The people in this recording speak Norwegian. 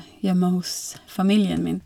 Hjemme hos familien min.